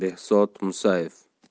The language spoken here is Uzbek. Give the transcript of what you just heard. raisi behzod musayev